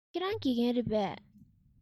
ཁྱེད རང དགེ རྒན རེད པས